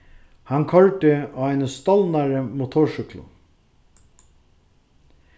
hann koyrdi á eini stolnari motorsúkklu